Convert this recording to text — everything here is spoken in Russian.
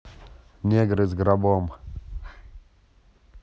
негры с гробом